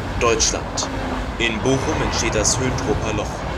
Deutschland: In Bochum entsteht das Höntroper Loch